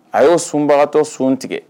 A y'o sunbagatɔ sun tigɛ